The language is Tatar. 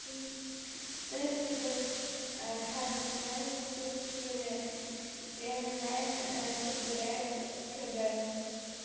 Бер карасаң, су кирәгеннән күбрәк кебек: